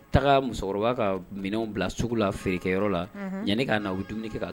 Taga musokɔrɔba ka minɛnw bila sugu la feerekɛyɔrɔ la, unhun yanni k'a na u bɛ dumuni kɛ k'a